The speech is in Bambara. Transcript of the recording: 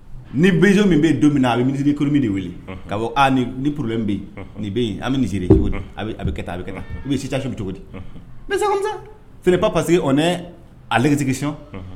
Ni bɛzo min bɛ don min na a bɛ misisirimi de weele ka bɔ ni porobɛn bɛ a bɛsiri cogo a bɛ a bɛ i bɛ sisubi cogo disa seereba paseke ne agesi